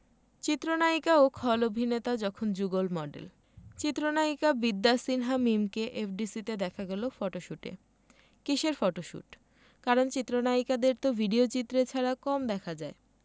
চিত্রনায়িকা ও খল অভিনেতা যখন যুগল মডেল চিত্রনায়িকা বিদ্যা সিনহা মিমকে এফডিসিতে দেখা গেল ফটোশুটে কিসের ফটোশুট কারণ চিত্রনায়িকাদের তো ভিডিওচিত্রে ছাড়া কম দেখা যায়